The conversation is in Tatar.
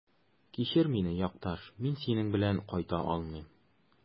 Кичер мине, якташ, мин синең белән кайта алмыйм.